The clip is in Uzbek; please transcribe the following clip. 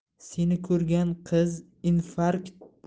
seni ko'rgan qiz infarkt